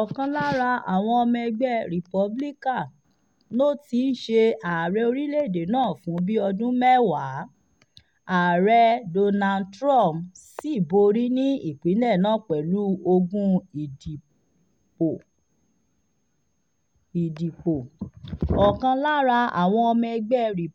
Ọ̀kan lára àwọn ọmọ ẹgbẹ́ Republican ló ti ń ṣe ààrẹ orílẹ̀-èdè náà fún bí ọdún mẹ́wàá, Ààrẹ Donald Trump sì borí ní ìpínlẹ̀ náà pẹ̀lú